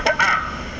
di ko aar